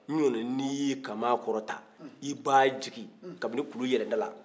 n'otɛ n'i y'i kaman kɔrɔta i b'a jigi kabini kulu yɛlɛnda la